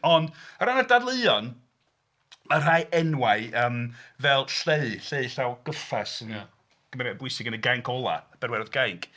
Ond o ran y dadleuon mae rhai enwau yym fel Lleu. Lleu Llaw Gyffes, cymeriad bwysig yn y gainc ola' bedwerydd gainc.